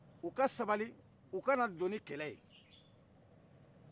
u ka sabali u kana don ni kɛlɛ ye